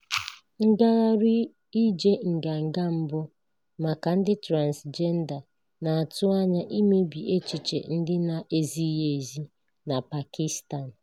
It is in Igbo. Ngagharị ije nganga mbụ maka ndị transịjenda na-atụ anya imebi echiche ndị na-ezighị ezi na Pakistan